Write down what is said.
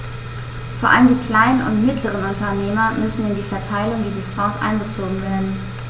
Vor allem die kleinen und mittleren Unternehmer müssen in die Verteilung dieser Fonds einbezogen werden.